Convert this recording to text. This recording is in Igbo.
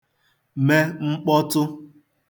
me mkpọtụ